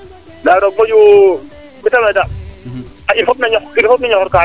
nda roog moƴu ku te refna daal in fop na ñoxor kaa rek